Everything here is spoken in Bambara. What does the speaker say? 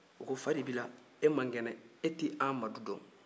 u ko fa de bɛ i la e man kɛne e tɛ amadu dɔn